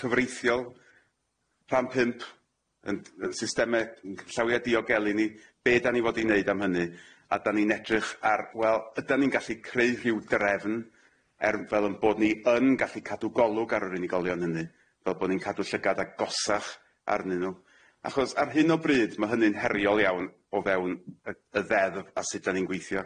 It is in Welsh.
cyfreithiol rhan pump yn yn systeme yn cymllawia diogelu ni be' dan ni fod i neud am hynny a dan ni'n edrych ar wel ydan ni'n gallu creu rhyw drefn er fel yn bod ni yn gallu cadw golwg ar yr unigolion hynny fel bo' ni'n cadw llygad agosach arnyn nw achos ar hyn o bryd ma' hynny'n heriol iawn o fewn y y ddeddf a sud dan ni'n gweithio.